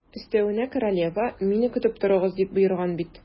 Өстәвенә, королева: «Мине көтеп торыгыз», - дип боерган бит.